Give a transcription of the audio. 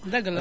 dëgg la